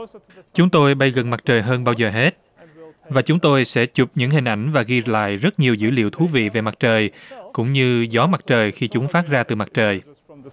chúng tôi bay gần mặt trời hơn bao giờ hết và chúng tôi sẽ chụp những hình ảnh và ghi lại rất nhiều dữ liệu thú vị về mặt trời cũng như gió mặt trời khi chúng phát ra từ mặt trời